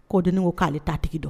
Ko' deni ko k'ale ta tigi dɔn